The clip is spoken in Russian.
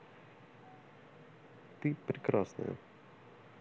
ты прекрасная